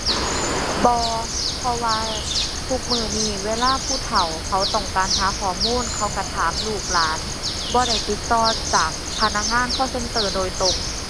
บ่ เพราะว่าทุกมื้อนี้เวลาผู้เฒ่าเขาต้องการหาข้อมูล เขาก็ถามลูกหลาน บ่ได้ติดต่อจากพนักงาน call center โดยตรง